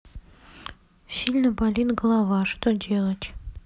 сильно болит голова что делать